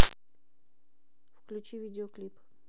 включи видеоклип